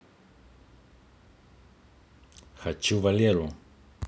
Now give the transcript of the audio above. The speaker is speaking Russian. хочу валеру